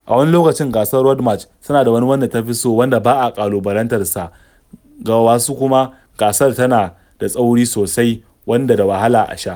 A wasu lokutan gasar Road March tana da wani wanda ta fi so wanda ba a ƙalubalantarsa; ga wasu kuma, gasar tana da tsauri sosai wanda da wahala a sha.